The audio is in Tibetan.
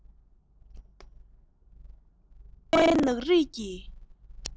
ཚོར བའི ནག རིས ཀྱི